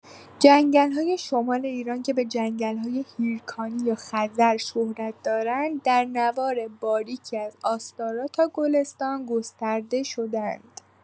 جنگل‌های شمال ایران که به جنگل‌های هیرکانی یا خزر شهرت دارند، در نوار باریکی از آستارا تا گلستان گسترده شده‌اند.